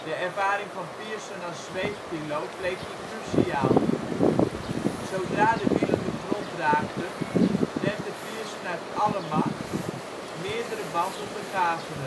ervaring van Pearson als zweefpiloot bleek hier cruciaal. Zodra de wielen de grond raakten, remde Pearson uit alle macht. Meerdere banden begaven